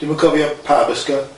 Ti'm yn cofio pa bysgod?